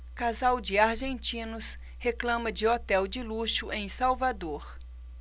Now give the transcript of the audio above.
casal de argentinos reclama de hotel de luxo em salvador